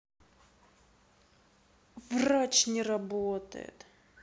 врач не работает